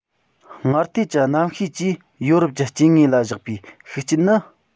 སྔར དུས ཀྱི གནམ གཤིས ཀྱིས ཡོ རོབ ཀྱི སྐྱེ དངོས ལ བཞག པའི ཤུགས རྐྱེན ནི